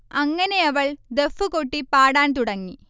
അങ്ങനെയവൾ ദഫ്ഫ് കൊട്ടി പാടാൻ തുടങ്ങി